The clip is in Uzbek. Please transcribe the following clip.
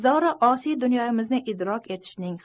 zora osiy dunyomizni idrok etishning